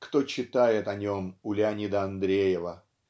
кто читает о нем у Леонида Андреева?